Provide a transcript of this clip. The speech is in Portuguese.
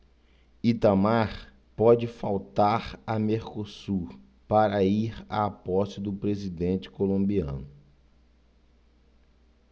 itamar pode faltar a mercosul para ir à posse do presidente colombiano